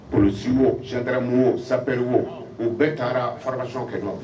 Polosiwo sikararamo sari wo u bɛɛ taara faramasaso kɛ la